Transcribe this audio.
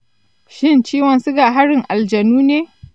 shin ciwon siga harin aljanu ne?